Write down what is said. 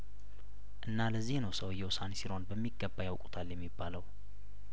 እና ለዚህ ነው ሰውየው ሳንሲሮን በሚገባ ያውቁታል የሚባለው